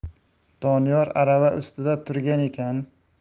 doniyor arava ustida turgan ekan